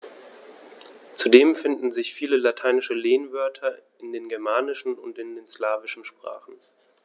Zudem finden sich viele lateinische Lehnwörter in den germanischen und den slawischen Sprachen.